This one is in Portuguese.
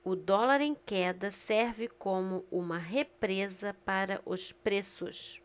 o dólar em queda serve como uma represa para os preços